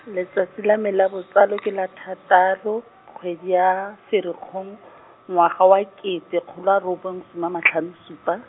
letsatsi la me la botsalo ke la thataro, kgwedi ya, Ferikgong , ngwaga wa kete kgolo a robong soma a matlhano supa.